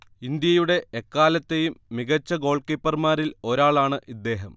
ഇന്ത്യയുടെ എക്കാലത്തെയും മികച്ച ഗോൾ കീപ്പർമാരിൽ ഒരാളാണ് ഇദ്ദേഹം